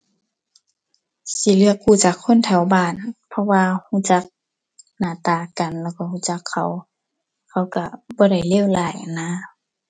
สิเลือกกู้จากคนแถวบ้าน เพราะว่ารู้จักหน้าตากันแล้วก็รู้จักเขา เขารู้บ่ได้เลวร้ายนั่นนะ